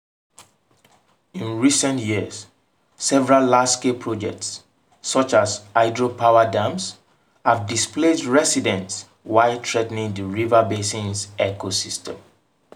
In recent years, several large-scale projects such as hydropower dams have displaced residents while threatening the river basin's ecosystem.